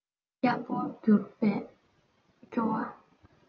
སྐྱ བོར འགྱུར བས སྐྱོ བ